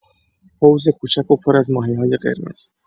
حوض کوچک و پر از ماهی‌های قرمز